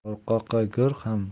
qo'rqoqqa go'r ham